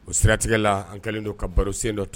O siratigɛ la an kɛlen don ka baro sen dɔ tan